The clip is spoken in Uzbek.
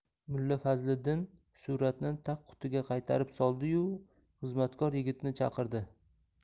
mulla fazliddin suratni tagqutiga qaytarib soldi yu xizmatkor yigitni chaqirdi